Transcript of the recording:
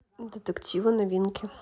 детективы новинки